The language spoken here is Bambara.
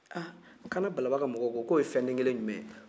ha kaana balaba ka mɔgɔw ko k'o ye fɛn den kelen jumɛn ye